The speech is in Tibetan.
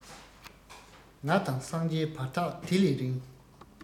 ང དང སངས རྒྱས བར ཐག དེ ལས རིང